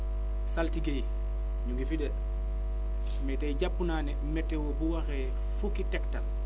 saltigue yi ñu ngi fi de mais tey jàpp naa ne météo bu waxee fukki tegtal